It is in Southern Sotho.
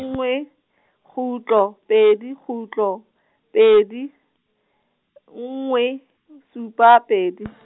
nngwe , kgutlo, pedi kgutlo , pedi , nngwe, supa pedi.